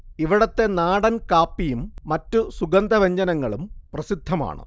ഇവിടത്തെ നാടൻ കാപ്പിയും മറ്റു സുഗന്ധവ്യഞ്ജനങ്ങളും പ്രസിദ്ധമാണ്